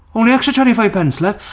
Only extra twenty five pence love.